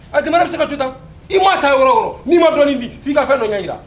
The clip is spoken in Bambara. A jamana bɛ se ka to tan i m ma ta yɔrɔ n'i ma dɔn bi' ii ka fɛn dɔn ɲɔgɔn jira